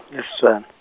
e Setswana.